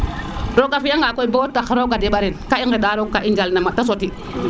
roga fi a nga koy bo tax roga demban ga i genda a roog ka i njal na te soti